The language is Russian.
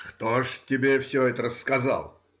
— Кто же тебе все это рассказал?